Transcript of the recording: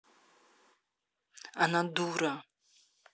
она дура